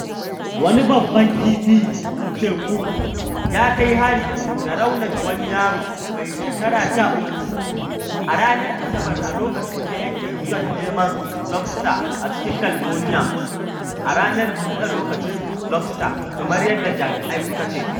Wani babban kifin teku ya kai hari da raunata wani yaro mai shekaru 13 a ranar Asabar a lokacin da yake iyon neman losbter a cikin California a ranar buɗe lokacin lobster, kamar yadda jami’ai suka ce.